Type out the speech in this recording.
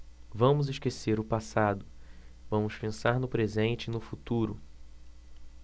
vamos esquecer o passado vamos pensar no presente e no futuro